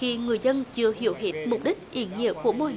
khi người dân chưa hiểu hết mục đích ý nghĩa của mô